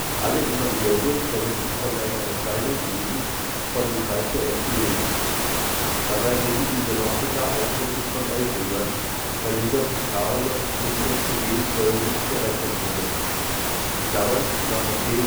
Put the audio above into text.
Alle Evangelien berichten von einer Erscheinung Jesu vor dem Kreis der ersten Jünger. Dabei reden die Synoptiker ausdrücklich von elf Jüngern, da Judas Ischariot nicht mehr zu „ den Zwölfen “gerechnet wurde (nach Mt 27,5 EU